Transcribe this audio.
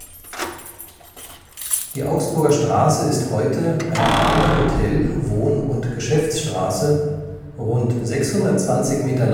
Die Augsburger Straße ist heute eine reine Hotel -, Wohn - und Geschäftsstraße, rund 620 Meter